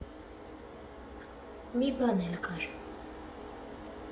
Մի բան էլ կար.